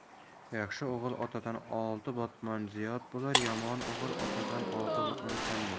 yaxshi o'g'il otadan olti botmon ziyod bo'lar yomon o'g'il otadan olti botmon kam bo'lar